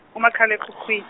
umakhalekhukhwi-.